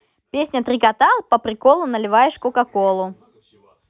песня три кота по приколу наливаешь кока колу